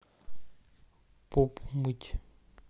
попу мыть